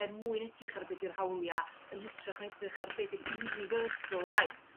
Er mwyn edrych ar be 'di'r hawlia' yn hytrach na edrych ar be 'di'r universal rights